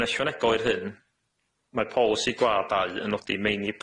Yn ychwanegol i hyn mae polisi gwa dau yn nodi meini